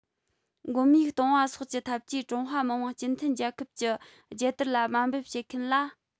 འགོམ ཡུག གཏོང བ སོགས ཀྱི ཐབས ཀྱིས ཀྲུང ཧྭ མི དམངས སྤྱི མཐུན རྒྱལ ཁབ ཀྱི རྒྱལ དར ལ དམའ འབེབས བྱེད མཁན ལ